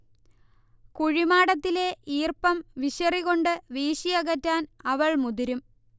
കുഴിമാടത്തിലെ ഈർപ്പം വിശറികൊണ്ട് വീശിയകറ്റാൻ അവൾ മുതിരും